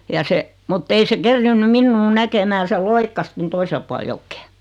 ja se mutta ei se kerinnyt minua näkemään se loikkasi tuonne toiselle puolen jokea